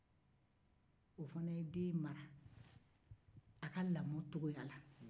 u fana ye den in mara a ka lamɔ cogoya la